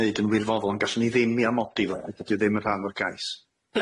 neud yn wirfoddol ond gallwn ni ddim 'i amodi fo dydi o ddim yn rhan o'r gais.